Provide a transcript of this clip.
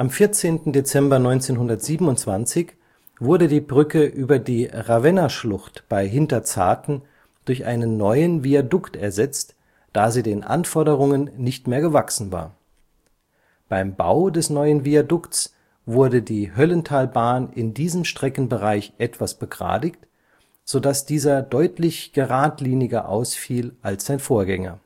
14. Dezember 1927 wurde die Brücke über die Ravennaschlucht bei Hinterzarten durch einen neuen Viadukt ersetzt, da sie den Anforderungen nicht mehr gewachsen war. Beim Bau des neuen Viadukts wurde die Höllentalbahn in diesem Streckenbereich etwas begradigt, so dass dieser deutlich geradliniger ausfiel als sein Vorgänger